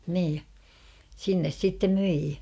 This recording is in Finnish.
niin sinne sitten myi